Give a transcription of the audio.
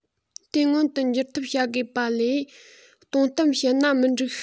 དེ མངོན དུ འགྱུར ཐབས བྱ དགོས པ ལས སྟོང གཏམ བཤད ན མི འགྲིག